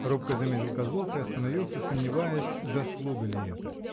— робко заметил Козлов и остановился, сомневаясь, заслуга ли это?